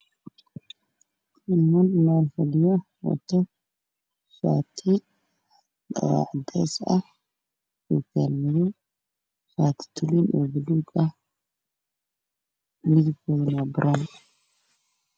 Niman meel fadhiyo wato shaati cadees ah iyo buluug